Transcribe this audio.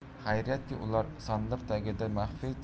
xayriyatki ular sandiq tagida